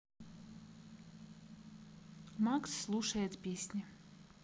макс слушает песни